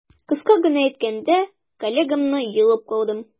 Кыска гына әйткәндә, коллегамны йолып калдым.